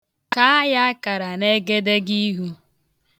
Kaa ya akara n'egedegiihu.